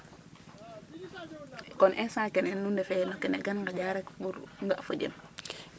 konn instant kene nu ndefe no kene gan ŋaƴa rek pour nga' fo jem?